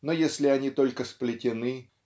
но если они только сплетены